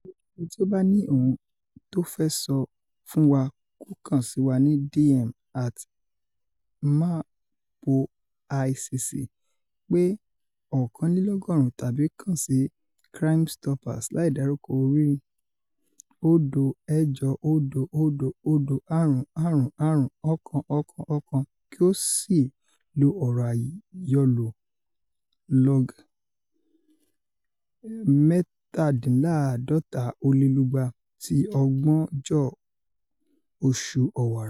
Ẹnikẹ́ni tí ó bá ní ohun tó fẹ́ sọ fún wà kó kàn sí wà ni DM @MerPoICC, pe 101 tàbí kàn sí Crimestoppers láìdárúkọ lórí 08000 555 111 kí ó sì ́lo ọ̀rọ̀ àyọlò log 247 ti Ọgbọ́njọ́ọ́ Oṣù Ọwara.